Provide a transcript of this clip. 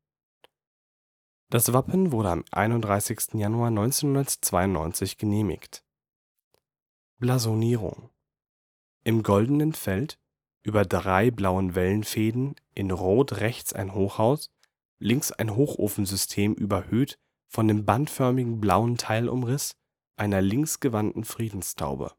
Das Wappen wurde am 31. Januar 1992 genehmigt. Blasonierung: „ In goldenem Feld über drei blauen Wellenfäden in Rot rechts ein Hochhaus, links ein Hochofensystem überhöht von dem bandförmig blauen Teilumriss einer links gewandten Friedenstaube